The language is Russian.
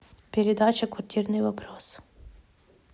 передача квартирный вопрос